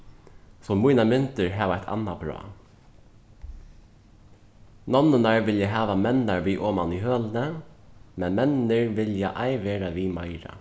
so mínar myndir hava eitt annað brá nonnurnar vilja hava menninar við oman í hølini men menninir vilja ei vera við meira